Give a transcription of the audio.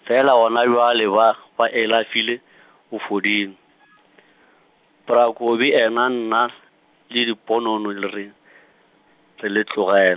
fela gona bjale ba, ba e alafile bo foding- , bra Kobi ena nna, le di -ponono re, re le tlogel-.